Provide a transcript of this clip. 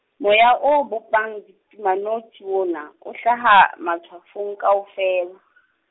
moya o bopang ditumanotshi wona, o hlaha matshwafong kaofela.